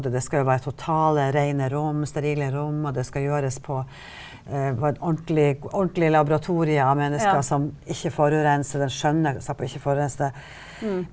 det skal jo være totale reine rom, sterile rom, og det skal gjøres på på en ordentlig ordentlig laboratorie av mennesker som ikke forurenser det skjønner ikke forurense det.